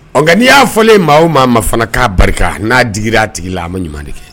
Ɔ n'i y'a fɔlen maa maa ma fana'a barika n'a digi' a tigi la a ma ɲuman de kɛ